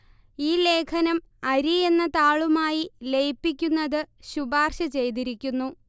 ഈ ലേഖനം അരി എന്ന താളുമായി ലയിപ്പിക്കുന്നത് ശുപാർശ ചെയ്തിരിക്കുന്നു